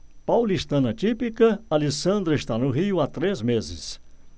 paulistana típica alessandra está no rio há três meses